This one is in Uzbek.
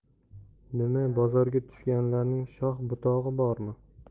nima bozorga tushadiganlarning shox butog'i bormi